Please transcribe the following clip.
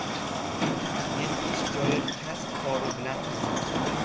keyin ish joyi kasb kori bilan qiziqdi